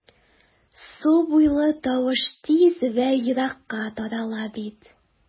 Су буйлый тавыш тиз вә еракка тарала бит...